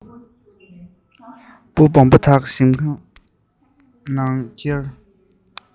འབུ སྦོམ པ དག ཞིམ ཉམས ཀྱིས ཤི འདུག